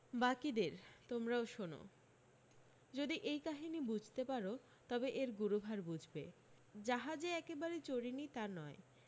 বাকিদের তোমরাও শোনো যদি এই কাহিনী বুঝতে পার তবে এদের গুরুভার বুঝবে জাহাজে একেবারে চড়িনি তা নয়